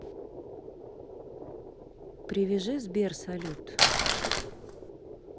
привяжи сбер салют